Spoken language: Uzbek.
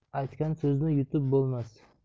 aytgan so'zni yutib bo'lmas